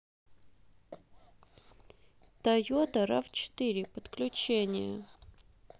тойота рав четыре подключение